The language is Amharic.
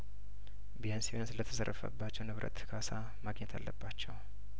ቢያንስ ቢያንስ ለተዘረፈ ባቸውንብረት ካሳ ማግኘት አለባቸው